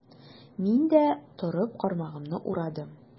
Мин дә, торып, кармагымны урадым.